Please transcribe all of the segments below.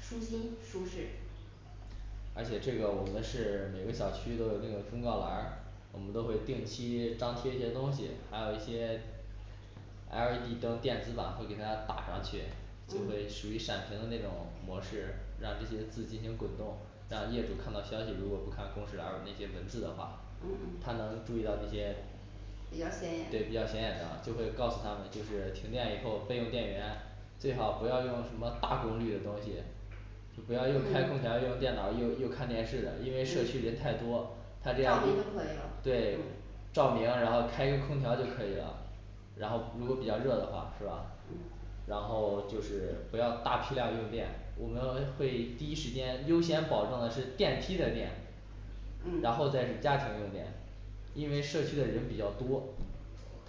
舒心舒适。而且这个我们是每个小区都有那个公告栏儿，我们都会定期张贴一些东西，还有一些 L E D灯电子版会给大家打上去，就会嗯属于闪屏的那种模式，让这些字进行滚动，让业主看到消息，如果不看公式，而那些文字的话嗯嗯，他能注意到这些比较对比较显显眼眼的，就会告诉他们就是停电以后备用电源，最好不要用什么大功率的东西，就不要又嗯开空调，又用电脑儿又又看电视的，因为社区人太多，照他这明样就可以了对嗯照明，然后开一个空调就可以了然后如果比较热的话是吧嗯？然后就是不要大批量用电，我们会会第一时间优先保证的是电梯的电，然后嗯再家庭用电。因为社区的人比较多，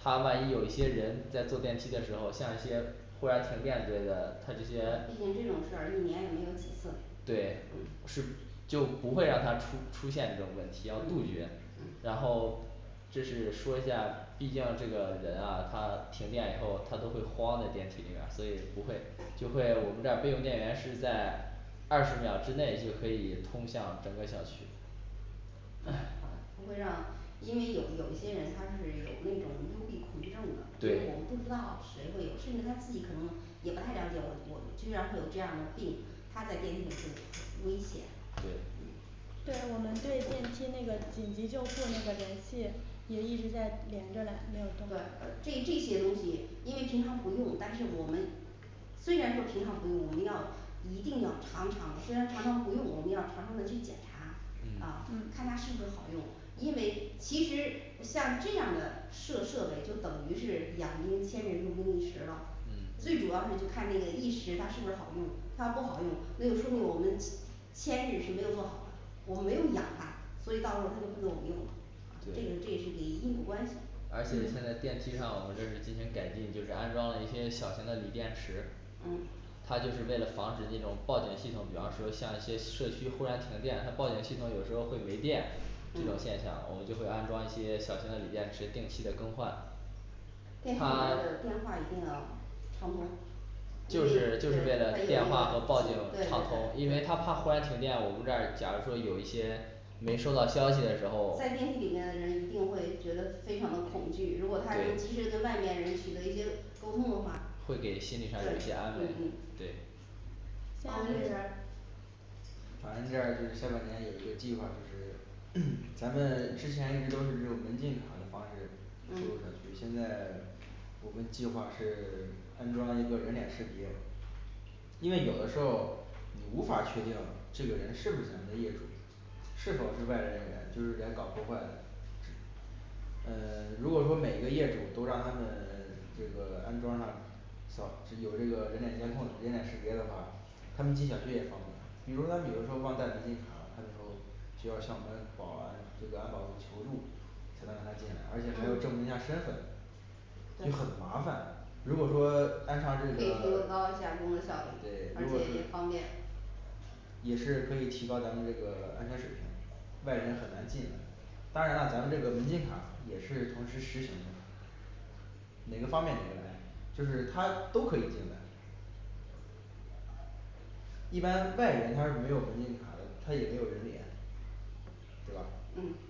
它万一有一些人在坐电梯的时候，像一些忽然停电之类的，它这些毕竟这种事儿一年也没有几次，嗯对嗯。是就不会让它出出现这种问题要杜嗯绝，嗯然后就是说一下，毕竟这个人啊他停电以后他都会慌在电梯里面儿，所以不会就会我们这儿备用电源是在二十秒之内就可以通向整个小区唉好不会让的，因为有有一些人他是有那种幽闭恐惧症的，我们不知道谁会有，甚至他自己可能也不太了解，我我居然会有这样的病，他在电梯里会很危险。嗯对我们对电梯那个紧急救护那个联系也一直在连着嘞，没有对动呃这这些东西因为平常不用，但是我们虽然说平常不用，我们要一定要常常的，虽然常常不用，我们要常常的去检查嗯啊嗯看它是不是好用，因为其实像这样的设设备就等于是养兵千日用兵一时了嗯，最主要就那个一时它是不是好用，它不好用，那就说明我们千日是没有做好的，我们没有养它，所以到时候儿它就不给我们用了啊，这个对这也是一因果关系，嗯而且现在电梯上我们这是进行改进，就是安装了一些小型的锂电池，嗯它就是为了防止这种报警系统，比方说像一些社区忽然停电了报警系统有时候会没电，这种嗯现象我们就会安装一些小型的锂电池，定期的更换，它 电梯里面的电话一定要畅通因就为对它有那个是对就对是对为了电话和报警畅通，因为他怕忽然停电，我们这儿假如说有一些没收到消息的时候在对，电梯里面的人一定会觉得非常的恐惧，如果他能及时跟外面人取得一些沟通的话，会给心对理上有些安慰嗯嗯对保安这边儿保安这儿就是下半年有一个计划，就是 咱们之前一直都是这种门禁卡的方式出入小嗯区，现在 我们计划是 安装一个人脸识别，因为有的时候儿你无法确定这个人是不是咱们的业主，是否是外来人员，就是来搞破坏的。只嗯 如果说每个业主都让他们 这个安装上扫，有这个人脸监控人脸识别的话，他们进小区也方便，比如他比如说忘带门禁卡了，他以后就要向我们保安这个安保部求助，才让他进来，而且还要证嗯明一下身份对可以就很麻烦，如果说安上这个对提供高下工作效率，而如果是且也方便也是可以提高咱们这个安全水平，外人很难进的。 当然了咱们这个门禁卡也是同时实行的，哪个方便哪个来就是他都可以进来。一般外人他是没有门禁卡的，他也没有人脸，对吧？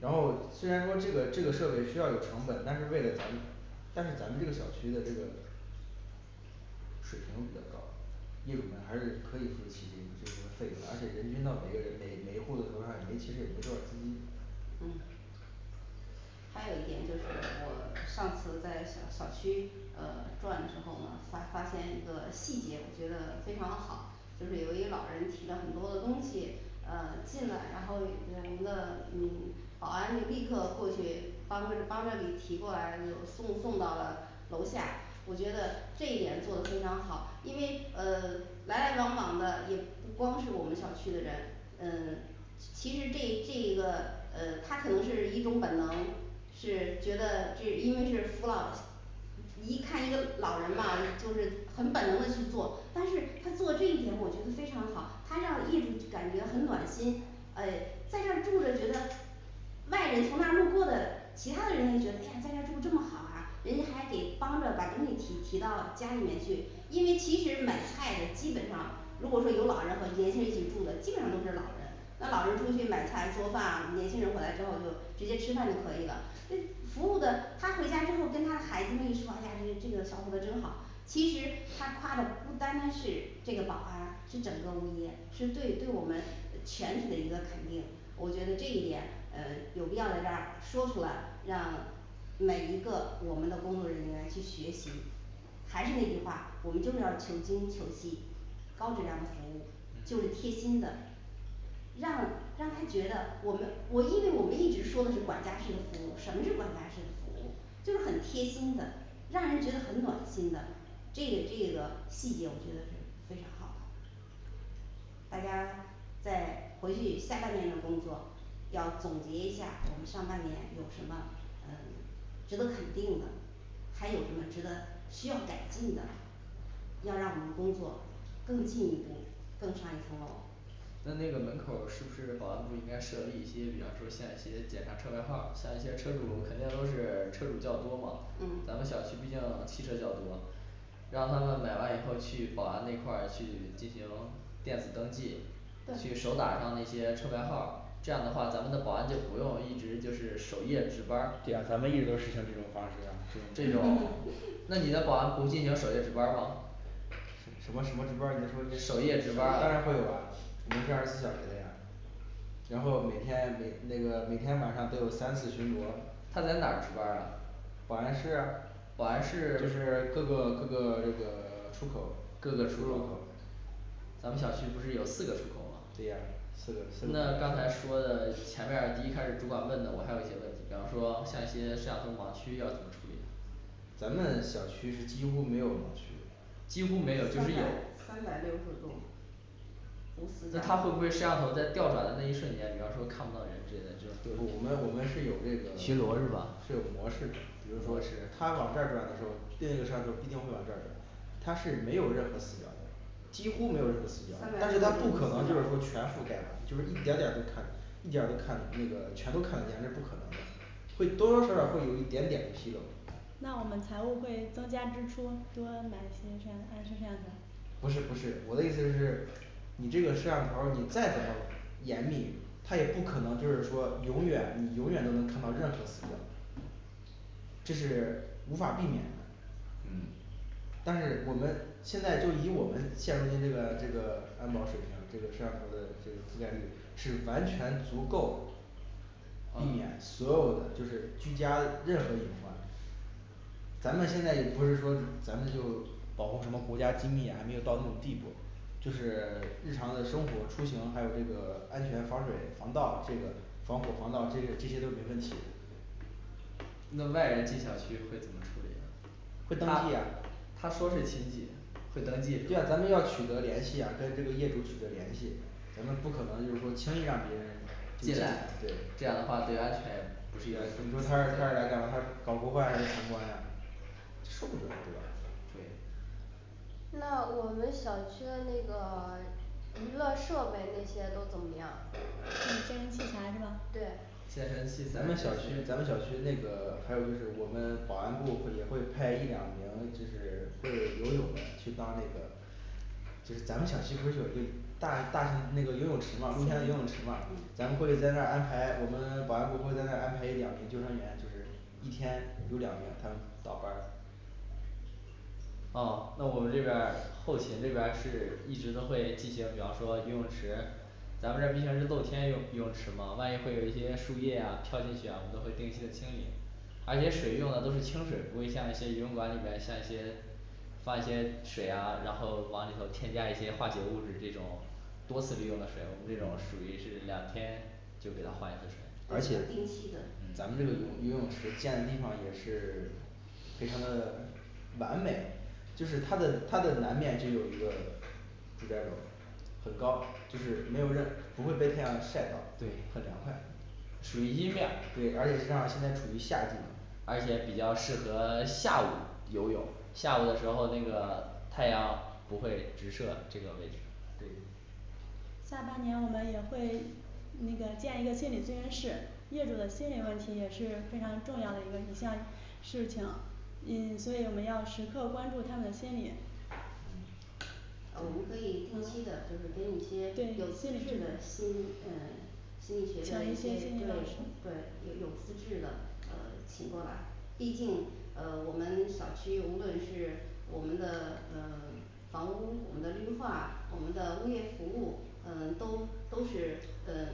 然后虽然说这个这个设备需要有成本，但是为了咱们但是咱们这个小区的这个水平比较高，业主呢还是可以负起这这部分费用的，而且人均到每个人每每一户头上也没其实也没多少资金嗯还有一点就是我上次在小小区呃转的时候嘛发发现一个细节，我觉得非常好，就是有一个老人提了很多的东西呃进来，然后呃我们的嗯保安就立刻过去帮着帮着给提过来，送送到了楼下，我觉得这一点做得非常好。 因为嗯来来往往的也不光是我们小区的人嗯 其实这这个呃他可能是一种本能，是觉得这因为是父老，一看一个老人嘛就是很本能的去做，但是他做这一点我觉得非常好，他让业主感觉很暖心诶在这住着，觉得外人从那儿路过的，其他的人也觉得在这儿住这么好啊，人家还给帮着把东西提提到家里面去，因为其实买菜的基本上如果说有老人和年轻人一起住的，基本上都是老人，那老人出去买菜做饭啊，年轻人回来之后就直接吃饭就可以了，那服务的他回家之后跟他的孩子们一说，哎呀这这个小伙子真好，其实他夸的不单单是这个保安，是整个物业，是对对我们呃全体的一个肯定，我觉得这一点呃有必要在这儿说出来，让每一个我们的工作人员去学习。还是那句话，我们就是要求精求细，高质量的服务就是贴心的，让让他觉得我们我因为我们一直说的是管家式的服务，什么是管家式的服务？就是很贴心的让人觉得很暖心的这个这个细节，我觉得非常好，大家再回去下半年的工作要总结一下我们上半年有什么嗯值得肯定的，还有什么值得需要改进的，要让我们工作更进一步，更上一层楼，那这个门口儿是不是保安不应该设立一些，比方说像一些检查车牌号儿，向一些车主肯定都是车比较多吗，嗯咱们小区毕竟汽车较多，让他们买完以后去保安那块儿去进行电子登记，去对手打上那些车牌号儿，这样的话咱们的保安就不用一直就是守夜值班儿，对呀咱们一直都是实行这种方式啊。这这种种 那你的保安不进行守夜值班儿？什么什么值班儿？你再守说一夜遍值这班当儿然守会夜有啊啊每天二十四小时的呀然后每天每那个每天晚上都有三次巡逻他在哪儿值班儿啊？，保保安安室室就是各个各个这个出口，各个出入口，咱们小区不是有四个出口对吗呀四个四，个那刚才说的就是前边儿第一开始主管问的，我还有一些问题，比方说像一些摄像头盲区要怎么处理？咱们小区是几乎没有盲区几乎没有三百就是有三百六十度，无死角它会不会摄像头在吊转的那一瞬间，比方说看不到人之类的比方我们我说们是有这个 ，是巡有逻是吧模式的。比如说是他往这儿转的时候，另一个摄像头必定会往这儿转，它是没有任何死角的，几乎没有任何死角三，百但六是十它度不可能就是说全覆盖吧，就是一点儿点儿都看一点儿都看那个全都看得见，那是不可能的。会多多少少会有一点点的纰漏那我们财务会增加支出，多买一些像探视摄像头不是不是，我的意思就是你这个摄像头儿你再怎么严密它也不可能就是说永远你永远都能看到任何死角，这是没法儿避免的。嗯但是我们现在就以我们现如今这个这个安保水平，这个摄像头的这个覆盖率是完全足够避免呃所有的就是居家任何隐患。咱们现在也不是说咱们就保护什么国家机密呀，还没有到那种地步，就是 日常的生活出行，还有这个安全防水防盗这个防火防盗这这些都没问题。那外人进小区会怎么处会理？登他他说是亲戚会登记记呀。对呀咱们要取得联系呀，跟这个业主取得联系，咱们不可能就是说轻易让别人进进来来对，这样的话对安全不是你要负负说责他他是来干嘛，他是搞破坏还是相关的？说不准对吧？对那我们小区的那个 娱乐设备那些都怎么样？对健身器材是吧对健身器材咱们小区咱们小区那个还有就是我们保安部会也会派一两名就是会游泳的去当这个。就是咱们小区不是有一个大大型的那个游泳池嘛共享游泳池嘛，咱们会在那儿安排我们保安部会在那儿安排一两名救生员，就是一天有两名他倒班儿。哦那我们这边儿后勤这边儿是一直都会进行，比方说游泳池，咱们这儿毕竟是露天泳泳池嘛，万一会有一些树叶呀飘进去呀，我们都会定期的清理，而且水用的都是清水，不会像一些游泳馆里面像一些放一些水呀，然后往里头添加一些化学物质，这种多次利用的水，我们这种属于是两天就给它换一次水，而而且且定期的嗯咱们嗯这个游泳游泳池建的地方也是非常的完美，就是它的它的南面就有一个。住宅楼很高，就是没有人不会被太阳晒到很凉快属于阴面儿，对而且正好儿现在处于夏季而且比较适合下午游泳，下午的时候那个太阳不会直射这个位置。对下半年我们也会嗯那个建一个心理咨询室，业主的心理问题也是非常重要的一个一项事情，嗯所以我们要时刻关注他们的心理嗯啊我们可以定期的就是给你一些对有资质的心嗯心理学找的一一些些心理对老师对有有资质的呃 请过来，毕竟呃我们小区无论是我们的呃 房屋，我们的绿化，我们的物业服务嗯都都是嗯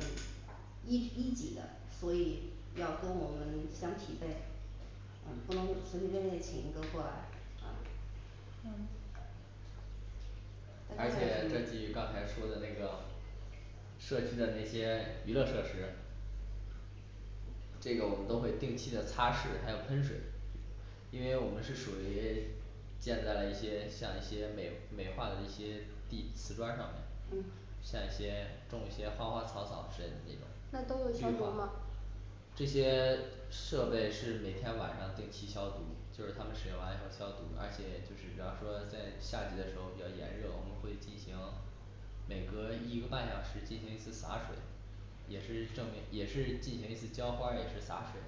一一级的，所以要跟我们相匹配，嗯不能够随随便便请一个过来对，找一呃些心，理而而且根且据刚才说的那个设计的那些 娱乐设施，这个我们都会定期的擦拭，还有喷水，因为我们是属于 建在了一些像一些美美化的一些地瓷砖儿上面嗯像一些种一些花花草草设计的那那都种有消绿毒化吗，？这些 设备是每天晚上定期消毒，就是他们使用完以后消毒，而且就是比方说在夏季的时候比较炎热，我们会进行每隔一个半小时进行一次洒水，也是证明也是进行一次浇花儿，也是洒水。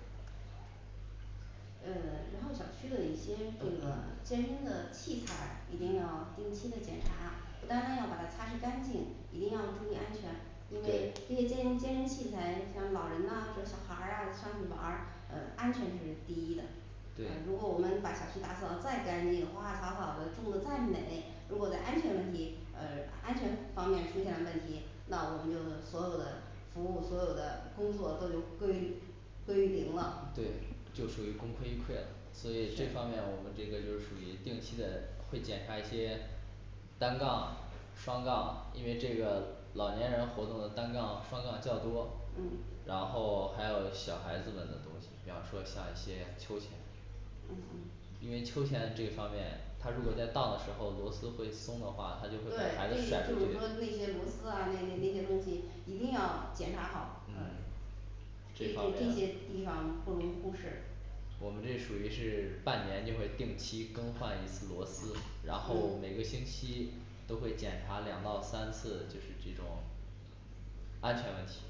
嗯 然后小区的一些这个健身的器材一定要定期的检查，不单单要把它擦拭干净，一定要注意安全，因为对这些健健身器材像老人呐，比如小孩儿啊我上去玩儿，嗯安全是第一的。呃对如果我们把小区打扫得再干净，花花草草的种的再美，如果在安全问题呃安全方面出现了问题，那我们就所有的服务所有的工作都就归归零了，对就属于功亏一篑了，所以这方是面我们这个就是属于定期的会检查一些单杠、双杠，因为这个老年人活动的单杠双杠较多，嗯然后还有小孩子们的东西，比方说像一些秋千，嗯嗯，对所以就是说那些螺丝啊那那那些东西一定要检查好因为秋天这方面他如果在荡的时候螺丝会松的话，他就会甩甩出去嗯嗯这这方这这些面地方不容忽视。我们这属于是半年就会定期更换一次螺丝，然后嗯每个星期都会检查两到三次，就是这种安全问题。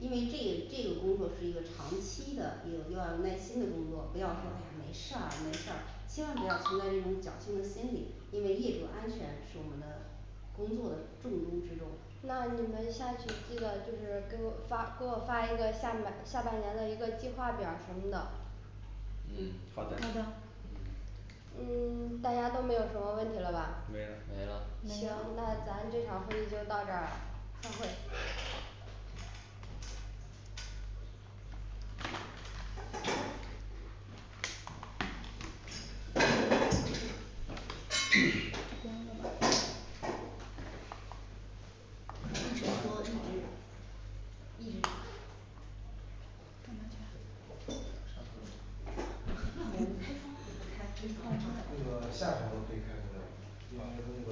因为这个这个工作是一个长期的，又又要耐心的工作，不要说哎呀没事儿没事儿，千万不要存在这种侥幸的心理，因为业主安全是我们的工作的重中之重，那你们下去记着就是给我发给我发一个下半下半年的一个计划表儿什么的。嗯好好的的嗯 大家都没有什么问题了吧？没了没了没行了，那咱这场会议就到这儿吧。散会